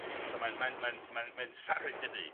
Ie, so mae'n mae'n mae'n mae'n mae'n sarug dydi?